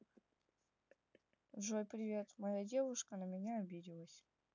джой привет моя девушка на меня обиделась